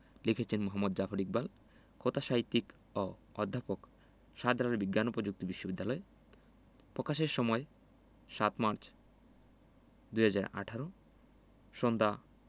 লিখেছেন মুহাম্মদ জাফর ইকবাল কথাসাহিত্যিক ও অধ্যাপক শাহজালাল বিজ্ঞান ও প্রযুক্তি বিশ্ববিদ্যালয় প্রকাশের সময় ০৭মার্চ ২০১৮ সন্ধ্যা